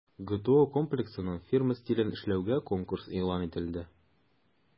ГТО Комплексының фирма стилен эшләүгә конкурс игълан ителде.